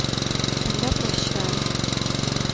тогда прощай